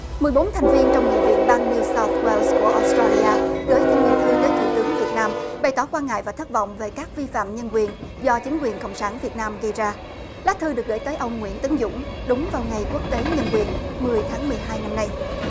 mười bốn thành viên trong nghị viện bang niu sót goe của ót tra li a gửi thỉnh nguyện thư tới thủ tướng việt nam bày tỏ quan ngại và thất vọng về các vi phạm nhân quyền do chính quyền cộng sản việt nam gây ra lá thư được gởi tới ông nguyễn tấn dũng đúng vào ngày quốc tế nhân quyền mười tháng mười hai năm nay